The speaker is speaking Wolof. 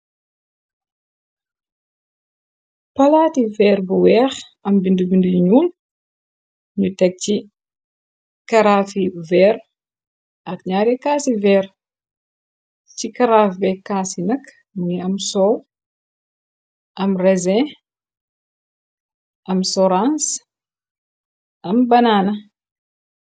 Palati vèèr bu wèèx am bindi bindi yu ñuul ñu teg ci karaafi vèèr ak ñaari kaasi vèèr ci karaaf bek kaasi nak mungi am soow am resin am sorans am banana.